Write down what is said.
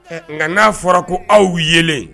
Nka n'a fɔra ko aw yelen